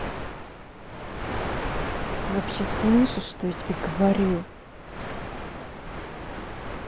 ты вообще слышишь что я тебе говорю